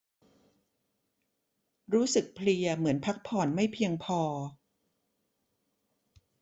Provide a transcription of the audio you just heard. รู้สึกเพลียเหมือนพักผ่อนไม่เพียงพอ